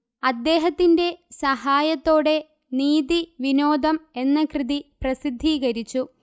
അദ്ദേഹത്തിന്റെ സഹായത്തോടെ നീതിവിനോദം എന്ന കൃതി പ്രസിദ്ധീകരിച്ചു